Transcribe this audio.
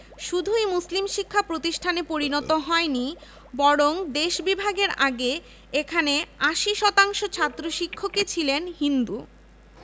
শুধুই মুসলিম শিক্ষা প্রতিষ্ঠানে পরিণত হয় নি বরং দেশ বিভাগের আগে এখানে ৮০% ছাত্র শিক্ষকই ছিলেন হিন্দু